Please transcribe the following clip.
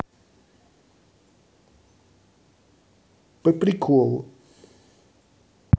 по приколу